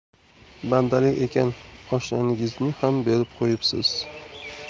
bandalik ekan oshnangizni ham berib qo'yibsiz